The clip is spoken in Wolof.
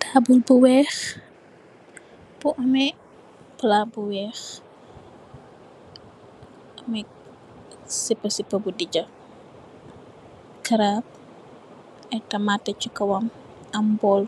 Taabul bu weex, bu ame palat bu weex, ame sipasipa bu dija, karab, ay tamate si kawam, am bool